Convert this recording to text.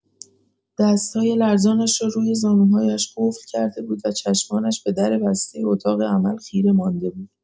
دست‌های لرزانش را روی زانوهایش قفل کرده بود و چشمانش به در بستۀ اتاق عمل خیره مانده بود.